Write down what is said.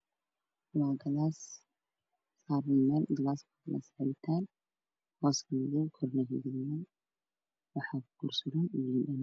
Waa galaas ku jiro biyo wasaaran yahay miis miiska waxaa ka hooseeyo roog cadaan ah